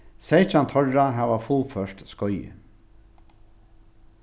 seytjan teirra hava fullført skeiðið